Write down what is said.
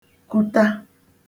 kuta